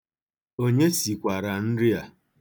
Onye sikwara nri a?